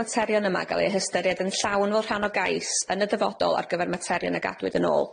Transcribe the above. materion yma ga'l ei hystyried yn llawn fel rhan o gais yn y dyfodol ar gyfer materion y gadwyd yn ôl.